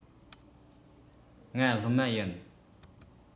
ང སློབ མ ཡིན